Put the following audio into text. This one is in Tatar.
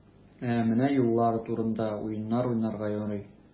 Ә менә юллар турында уеннар уйнарга ярый.